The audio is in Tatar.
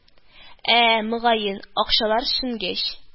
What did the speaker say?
А, мөгаен, акчалар шенгәч: